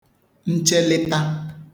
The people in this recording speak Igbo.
nchelịta